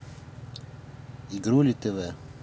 игрули тв